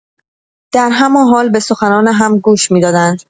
در همان حال به سخنان هم گوش می‌دادند.